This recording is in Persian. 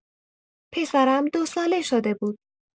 پسرم دوساله شده بود.